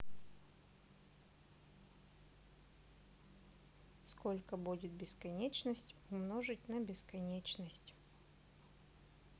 сколько будет бесконечность умножить на бесконечность